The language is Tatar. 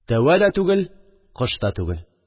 Тәвә дә түгел, кош та түгел